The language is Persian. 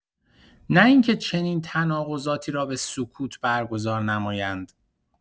نه اینکه چنین تناقضاتی را به سکوت برگزار نمایند.